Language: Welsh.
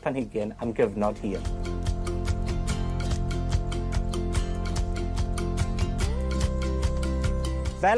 planhigyn am gyfnod hir. Fel